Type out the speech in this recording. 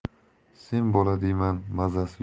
sen bola diyman mazasi